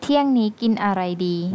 เที่ยงนี้กินอะไรดี